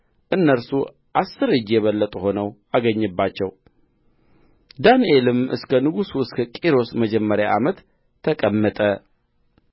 እነርሱ አሥር እጅ የበለጡ ሆነው አገኘባቸው ዳንኤልም እስከ ንጉሡ እስከ ቂሮስ መጀመሪያ ዓመት ተቀመጠ